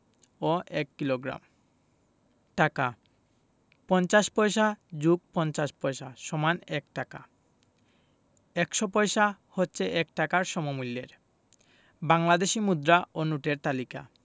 ও ১ kilogram টাকাঃ ৫০ পয়সা + ৫০ পয়সা = ১ টাকা ১০০ পয়সা হচ্ছে ১ টাকার সমমূল্যের বাংলাদেশি মুদ্রা ও নোটের তালিকা